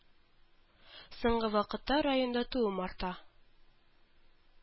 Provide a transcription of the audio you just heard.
Соңгы вакытта районда туым арта